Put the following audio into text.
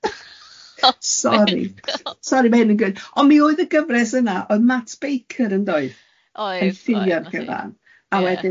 Sori. Sorry, ma' hyn yn gwd. Ond mi oedd y gyfres yna, o'dd Matt Baker yndoedd yn llywio'r cyfan.